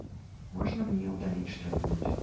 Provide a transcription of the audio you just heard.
можно мне удалить что нибудь